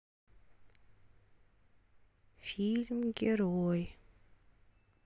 фильм герой